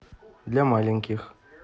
для маленьких